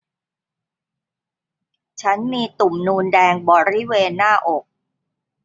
ฉันมีตุ่มนูนแดงบริเวณหน้าอก